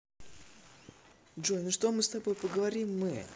джой ну что мы с тобой поговорим мы